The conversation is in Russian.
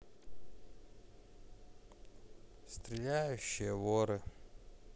стреляющие воры